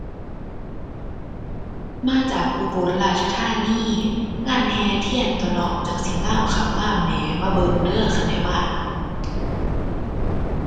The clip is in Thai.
มาจากอุบลราชธานี งานแห่เทียนตั่วเนาะ จั่งสิงามคักงามแหน่ มาเบิ่งเด้อ คันได้มาน่ะ